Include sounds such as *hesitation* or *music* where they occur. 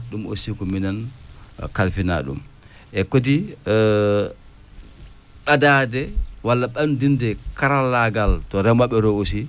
ɗum aussi ko minen kalfinaa ɗum e kadi *hesitation* ɓadaade walla ɓaŋdinde karallaagal to remooɓe roo aussi